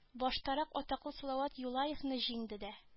Баштарак атаклы салават юлаевны җиңде дә